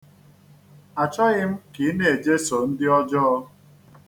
Achọghị m ka ị na-ejeso ndị ọjọọ.